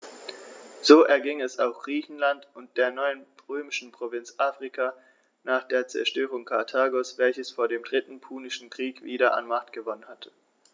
So erging es auch Griechenland und der neuen römischen Provinz Afrika nach der Zerstörung Karthagos, welches vor dem Dritten Punischen Krieg wieder an Macht gewonnen hatte.